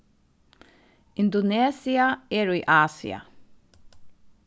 indonesia er í asia